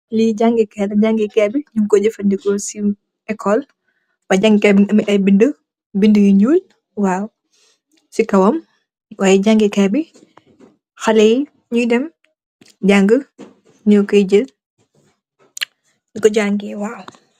Lii jaangee KAAY la, jaangee KAAY bi ñongkoo jafëndeko si ekool. Waay jaangee KAAY bi mungi am ay bindë, bindë yu ñuul, waaw si kowam, waay jaangee KAAY bi xaleyi, ñiey dem jaangë, ñoo kooy jël, di ko jaangee, waaw.